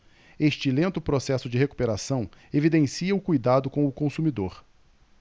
este lento processo de recuperação evidencia o cuidado com o consumidor